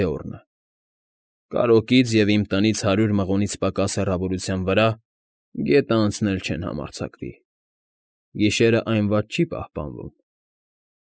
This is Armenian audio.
Բեորնը,֊ Կարրոկից և իմ տնից հարյուր մղոնից պակաս հեռավորության վրա գետը անցնել չեն համարձակվի. գիշերը այն վատ չի պահպանվում։